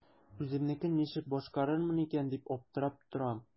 Үземнекен ничек башкарырмын икән дип аптырап торам.